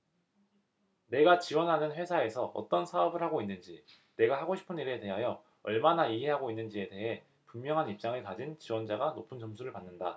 내가 지원하는 회사에서 어떤 사업을 하고 있는지 내가 하고 싶은 일에 대하여 얼마나 이해하고 있는지에 대해 분명한 입장을 가진 지원자가 높은 점수를 받는다